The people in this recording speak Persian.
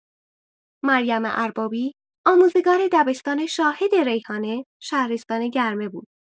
مریم اربابی، آموزگار دبستان شاهد ریحانه شهرستان گرمه بود.